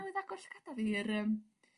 ...newydd agor i'r yym